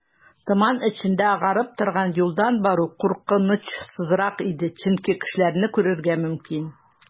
Томан эчендә агарып торган юлдан бару куркынычсызрак иде, чөнки кешеләрне күрергә мөмкин.